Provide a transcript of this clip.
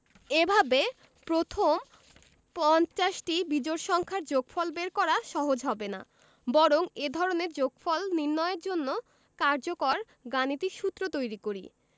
এভাবে প্রথম পঞ্চাশটি বিজোড় সংখ্যার যোগফল বের করা সহজ হবে না বরং এ ধরনের যোগফল নির্ণয়ের জন্য কার্যকর গাণিতিক সূত্র তৈরি করি